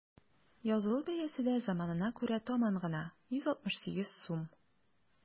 Язылу бәясе дә заманына күрә таман гына: 168 сум.